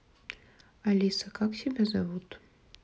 алиса как тебя зовут